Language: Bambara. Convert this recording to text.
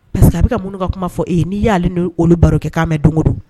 Parceri que a bɛka ka mun ka kuma fɔ e ye n'i y'alelen ni olu baro kɛ k'a mɛn don o don